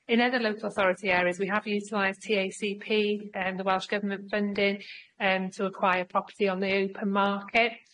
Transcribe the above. In other local authority areas we have utilised Tee Ay See Pee, yym the Welsh Government funding, yym to acquire property on the open market.